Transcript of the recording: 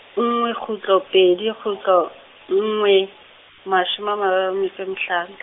nngwe kgutlo pedi kgutlo nngwe, mashome a mararo a metso e mehlano.